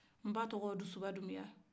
n ba tɔgɔ dusuba dunbiya